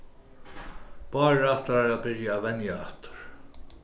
bárður ætlar at byrja at venja aftur